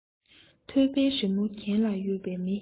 ཐོད པའི རི མོ གྱེན ལ ཡོད པའི མི